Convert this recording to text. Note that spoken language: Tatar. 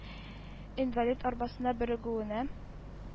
Инвалид арбасына берегүенә